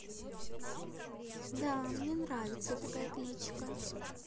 да мне нравится такая кличка